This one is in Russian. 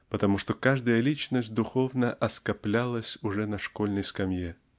потому что каждая личность духовно оскоплялась уже на школьной скамье.